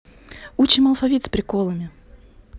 учим алфавит с приколами